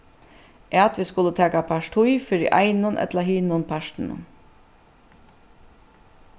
at vit skulu taka partí fyri einum ella hinum partinum